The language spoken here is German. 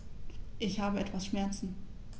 Ich habe etwas Schmerzen.